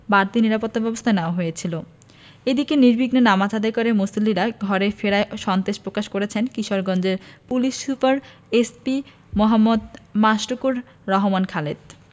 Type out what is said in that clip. বাড়তি নিরাপত্তাব্যবস্থা নেওয়া হয়েছিল এদিকে নির্বিঘ্নে নামাজ আদায় করে মুসল্লিরা ঘরে ফেরায় সন্তোষ প্রকাশ করেছেন কিশোরগঞ্জের police super SP Md. Mashrukur Rahman Khaled